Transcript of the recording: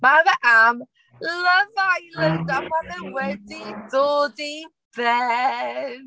Ma' fe am Love Island, a mae fe wedi dod i ben!